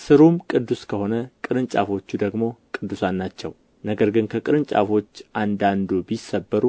ሥሩም ቅዱስ ከሆነ ቅርንጫፎቹ ደግሞ ቅዱሳን ናቸው ነገር ግን ከቅርንጫፎች አንዳንዱ ቢሰበሩ